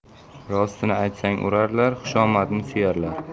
rostini aytsang urarlar xushomadni suyarlar